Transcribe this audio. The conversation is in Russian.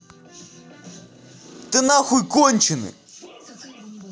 ты нахуй конченный